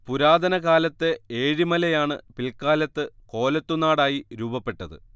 പുരാതന കാലത്തെ ഏഴിമലയാണ് പിൽക്കാലത്ത് കോലത്തുനാടായി രൂപപ്പെട്ടത്